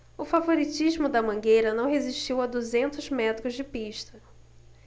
o favoritismo da mangueira não resistiu a duzentos metros de pista